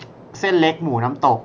เส้นเล็กหมูน้ำตก